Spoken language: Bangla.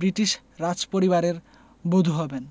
ব্রিটিশ রাজপরিবারের বধূ হবেন